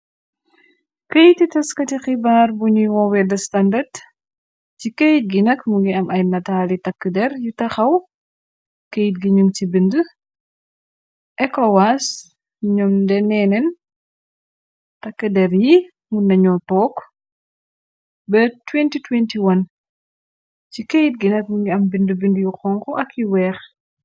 Keyiti taskati xibaar buñuy woowee de standard. Ci keyt gi nak mungi am ay nataali takk der yu taxaw. Keyt gi ñum ci bind ekowas yi ñoom deneeneen takk der yi mu nañoo took bër 2021.Ci keyt gi nag mu ngi am bind-bind yu xonxu ak yu weex.